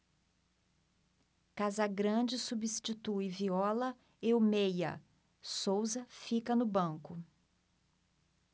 casagrande substitui viola e o meia souza fica no banco